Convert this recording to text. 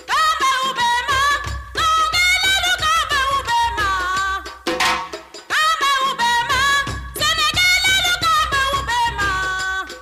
Nka bɛ ma maa diɲɛ ba bɛ ba faama' bɛ ma tile ba bɛ ba